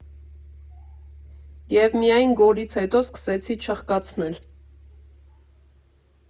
Եվ միայն գոլից հետո սկսեցի չխկացնել։